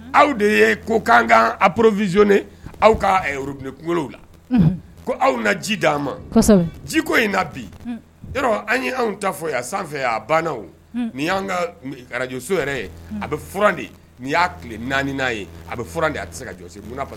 Aw de ye ko'an ka aoro vzoe aw kabubkun la ko aw na ji di'an ma ji ko in na bi an anw ta fɔ a sanfɛ a banna ni'an kajso yɛrɛ ye a bɛ f de y'a tile naani'a ye a bɛ f de a tɛ se ka